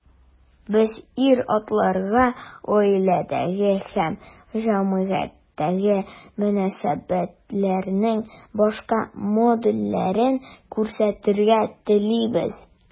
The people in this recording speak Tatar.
Без ир-атларга гаиләдәге һәм җәмгыятьтәге мөнәсәбәтләрнең башка модельләрен күрсәтергә телибез.